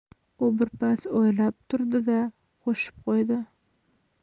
u birpas o'ylab turdi da qo'shib qo'ydi